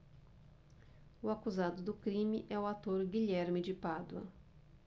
o acusado do crime é o ator guilherme de pádua